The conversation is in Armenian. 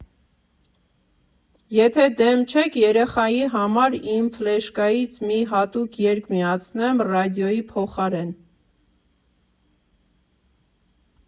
Եթե դեմ չեք երեխայի համար իմ ֆլեշկայից մի հատուկ երգ միացնեմ ռադիոյի փոխարեն…